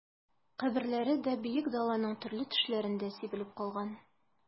Каберләре дә Бөек Даланың төрле төшләрендә сибелеп калган...